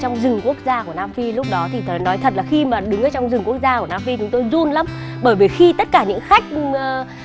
trong rừng quốc gia của nam phi lúc đó thì tớ nói thật là khi mà đứa ở trong rừng quốc gia của nam phi chúng tôi run lắm bởi vì khi tất cả những khách ơ